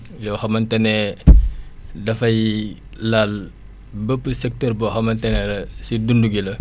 yoo xamante ne dafay laal bépp secteur boo xamante ne si dund gi la